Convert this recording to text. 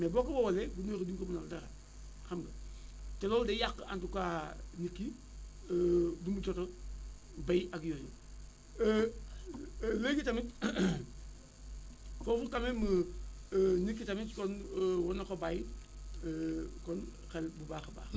mais boo ko wowalee gunóor yi du ñu ko mënal dara xam nga te loolu day yàq en tout cas nit yi li mu jot a béy ak yooyu léegi tamit foofu quand même nit ki tamit kon war na ko bàyyi kon xel bu baax a baax